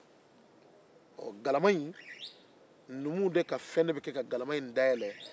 numuw de ka fɛn bɛ kɛ ka galama in dayɛlɛn